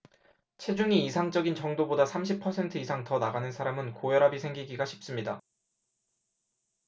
체중이 이상적인 정도보다 삼십 퍼센트 이상 더 나가는 사람은 고혈압이 생기기가 쉽습니다